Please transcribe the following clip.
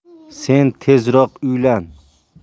sen tezroq uylan